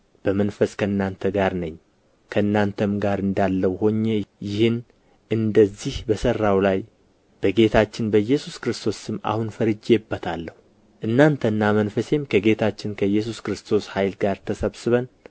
በመንፈስ ከእናንተ ጋር ነኝ ከእናንተም ጋር እንዳለሁ ሆኜ ይህን እንደዚህ በሠራው ላይ በጌታችን በኢየሱስ ክርስቶስ ስም አሁን ፈርጄበታለሁ እናንተና መንፈሴም ከጌታችን ከኢየሱስ ክርስቶስ ኃይል ጋር ተሰብስበን